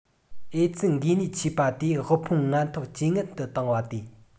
ཨེ ཙི འགོས ནད མཆེད པ དེས དབུལ ཕོངས ངན ཐོག ཇེ ངན དུ བཏང བ སྟེ